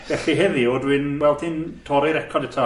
Felly heddiw dwi'n, wel, ti'n torri'r record eto.